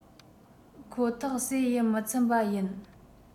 ཁོ ཐག ཟས ཡིད མི ཚིམ པ ཡིན